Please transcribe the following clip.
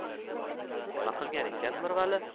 nima qilgan ekan mirvali